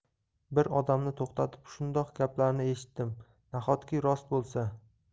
bir odamni to'xtatib shundoq gaplarni eshitdim nahotki rost bo'lsa